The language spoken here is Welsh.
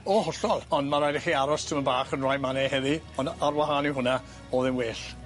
O hollol, ond ma' raid i chi aros tipyn bach yn rai manne heddi, on' ar wahân i hwnna, o'dd e'n well.